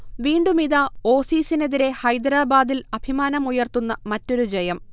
വീണ്ടുമിതാ, ഓസീസിനെതിരെ ഹൈദരാബാദിൽ അഭിമാനമുയർത്തുന്ന മറ്റൊരു ജയം